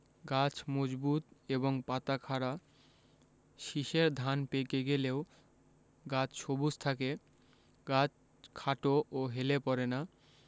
গাছ মজবুত এবং পাতা খাড়া শীষের ধান পেকে গেলেও গাছ সবুজ থাকে গাছ খাটো ও হেলে পড়ে না